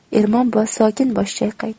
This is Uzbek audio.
ermon buva sokin bosh chayqadi